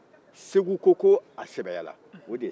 mɛ segu ko ko a sɛbɛya la